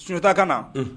Sunjatata ka na